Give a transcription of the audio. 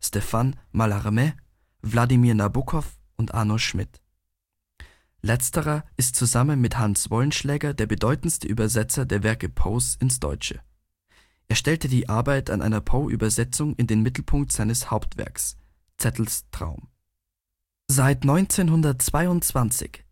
Stéphane Mallarmé, Vladimir Nabokov und Arno Schmidt; letzterer ist zusammen mit Hans Wollschläger der bedeutendste Übersetzer der Werke Poes ins Deutsche. Er stellte die Arbeit an einer Poe-Übersetzung in den Mittelpunkt seines Hauptwerks Zettels Traum. Seit 1922